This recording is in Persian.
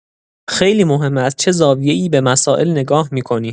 خیلی مهمه از چه زاویه‌ای به مسائل نگاه می‌کنی.